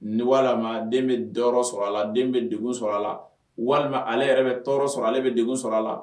Ni walima den bɛ dɔw sɔrɔ a la den bɛ dugu sɔrɔ a la walima ale yɛrɛ bɛ tɔɔrɔ sɔrɔ ale bɛ dugu sɔrɔ a la